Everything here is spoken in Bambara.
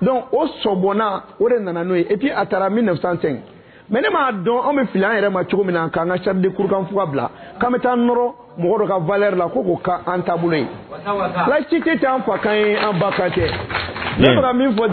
O taara mɛ ne' dɔn an fini an yɛrɛ ma cogo min na'an ka sadikanug bila k' bɛ taa n mɔgɔ ka v la ko koan taabolo an ba kɛ ne min fɔ